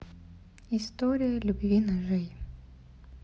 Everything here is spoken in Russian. история любви ножей